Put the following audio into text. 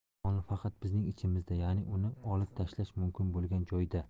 yomonlik faqat bizning ichimizda ya'ni uni olib tashlash mumkin bo'lgan joyda